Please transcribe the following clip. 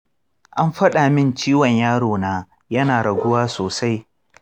an faɗa min ciwon yaro na yana raguwa sosai.